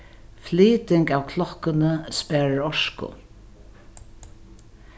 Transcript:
flyting av klokkuni sparir orku